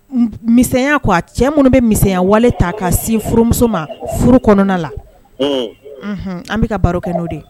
Miya ko a cɛ minnu bɛ misɛnya wale ta ka sin furumuso ma furu kɔnɔna la an bɛka ka baro kɛ'o de ye